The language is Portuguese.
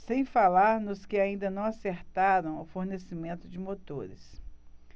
sem falar nos que ainda não acertaram o fornecimento de motores